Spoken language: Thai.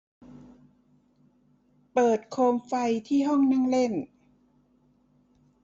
เปิดโคมไฟที่ห้องนั่งเล่น